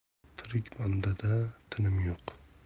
tirik bandada tinim yo'q